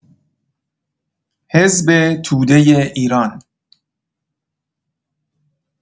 حزب توده ایران